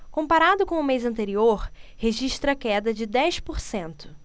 comparado com o mês anterior registra queda de dez por cento